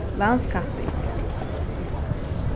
landskapping